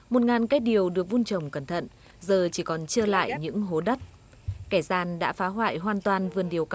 một ngàn cái điều được vun trồng cẩn thận giờ chỉ còn trơ lại những hố đất kẻ gian đã phá hoại hoàn toàn vườn điều